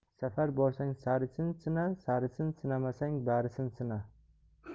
safar borsang sarisin sina sarisin sinamasang barisin sina